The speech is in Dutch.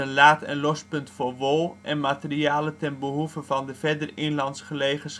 laad - en lospunt voor wol en materialen ten behoeve van de verder inland gelegen